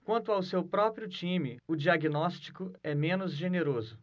quanto ao seu próprio time o diagnóstico é menos generoso